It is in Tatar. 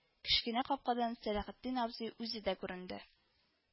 Кечкенә капкадан сәләхетдин абзый үзе дә күренде